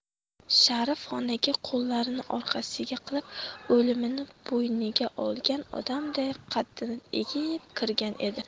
sharif xonaga qo'llarini orqasiga qilib o'limini bo'yniga olgan odamday qaddini egib kirgan edi